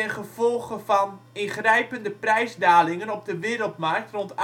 gevolge van ingrijpende prijsdalingen op de wereldmarkt rond